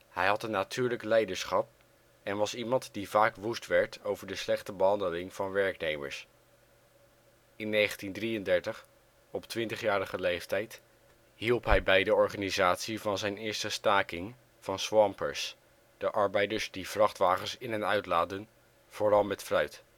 Hij had een natuurlijk leiderschap en was iemand die vaak woest werd over de slechte behandeling van werknemers. In 1933, op 20-jarige leeftijd hielp hij bij de organisatie van zijn eerste staking van " swampers ", de arbeiders die vrachtwagens in - en uitladen, vooral met fruit